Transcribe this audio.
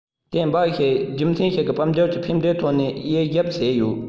དེ འབའ ཞིག རྒྱུ མཚན ཞིག ནི དཔལ འབྱོར གྱི ཕན འབྲས ཐོག ནས དབྱེ ཞིབ བྱས ཡོད